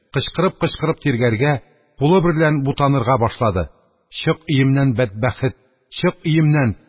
Кычкырып-кычкырып тиргәргә, кулы берлән бутанырга башлады: – Чык өемнән, бәдбәхет, чык өемнән!